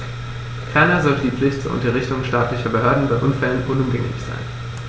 Ferner sollte die Pflicht zur Unterrichtung staatlicher Behörden bei Unfällen unumgänglich sein.